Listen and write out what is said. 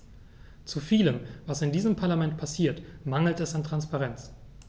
Zu vielem, was in diesem Parlament passiert, mangelt es an Transparenz.